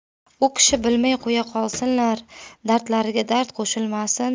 u kishi bilmay qo'ya qolsinlar dardlariga dard qo'shilmasin